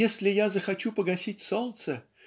"Если я захочу погасить солнце